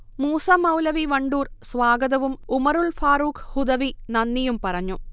മൂസമൗലവി വണ്ടൂർ സ്വാഗതവും ഉമറുൽ ഫാറൂഖ്ഹുദവി നന്ദിയും പറഞ്ഞു